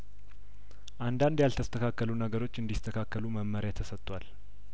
አንዳንድ ያልተ ስተካከሉ ነገሮች እንዲ ስተካከሉ መመሪያተሰቷል